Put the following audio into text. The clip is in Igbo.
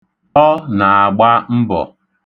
Ọ na-agba mbọ.